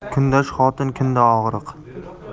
kundosh xotin kunda og'riq